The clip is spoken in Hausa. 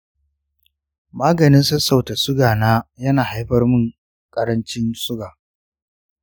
maganin sassauta cutar sugana ya na haifar mini ƙarancin suga.